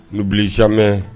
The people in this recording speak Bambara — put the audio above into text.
N'oublie jamais